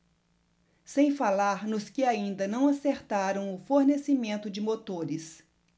sem falar nos que ainda não acertaram o fornecimento de motores